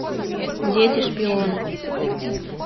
дети шпионы